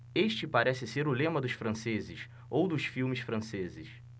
este parece ser o lema dos franceses ou dos filmes franceses